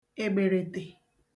ègbèrètè